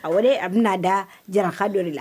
A wele a bɛna'a da jararaka dɔ de la